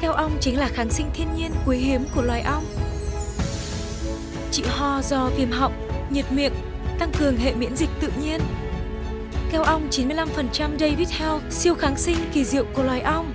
theo ong chính là kháng sinh thiên nhiên quý hiếm của loài ong trị ho do viêm họng nhiệt miệng tăng cường hệ miễn dịch tự nhiên keo ong chín mươi lăm phần trăm giây vít heo siêu kháng sinh kỳ diệu của loài ong